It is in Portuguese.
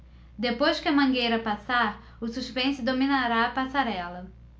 depois que a mangueira passar o suspense dominará a passarela